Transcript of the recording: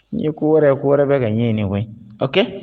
Ni ko wɛrɛ ko wɛrɛ bɛ ka ɲɛɲini koyi ok